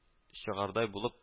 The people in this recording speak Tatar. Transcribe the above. Чыгардай булып